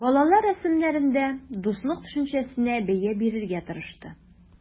Балалар рәсемнәрендә дуслык төшенчәсенә бәя бирергә тырышты.